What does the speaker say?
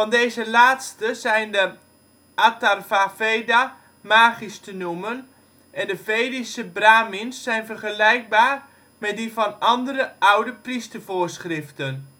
deze laatste zijn de Atharvaveda magisch te noemen en de Vedische Brahmins zijn vergelijkbaar met die van andere oude priestervoorschriften